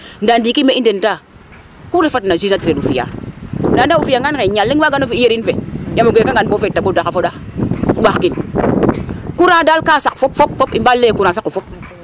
Ndaa ndiiki mais ndeta oxu refna jus naturel o fi'aa ndaa ande o fi'angaan xay ñal leŋ waagano fi' yerin fe yaam o geekangaan bo feet ta foɗax ɓaxkin .Courant daal ka saq fop i mbaa lay ee courant saqu fop.